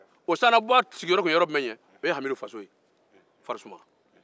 o sannabuwa sigiyɔrɔ tun ye farisuma ye hamidu faso